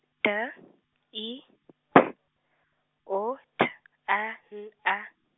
D, I, P, O T A N A.